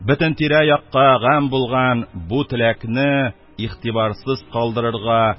Бөтен тирә-якка гам булган бу теләкне игътибарсыз калдырырга